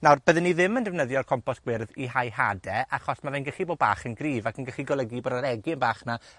Nawr, bydden i ddim yn defnyddio'r compos gwyrdd i hau hade, achos ma' fe'n gallu bo' bach yn gryf, ac yn gallu golygu bod yr egin bach 'na